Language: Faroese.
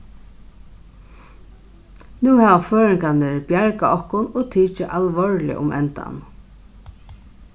nú hava føroyingarnir bjargað okkum og tikið alvorliga um endan